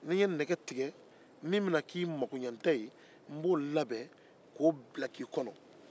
n b'i magoɲɛnɛgɛ tigɛ k'a bila k'i kɔnɔ